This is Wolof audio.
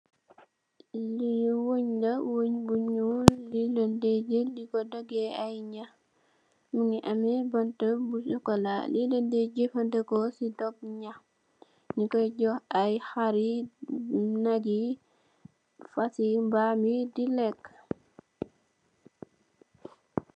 Li wunn la wunn bu nuul li len deh jeel diko dage ay nxaax mongi ame banta bu cxocola li len de jefendeko si doog nxaax nyu koi joh ay xaari naakgi fassi mbammi di leka.